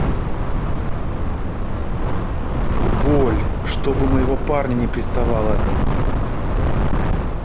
боль чтобы моего парня не приставала